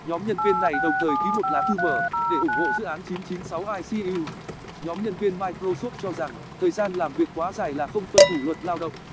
nhóm nhân viên này đồng thời ký một lá thư mở để ủng hộ dự án icu nhóm nhân viên microsoft cho rằng thời gian làm việc quá dài là không tuân thủ luật lao động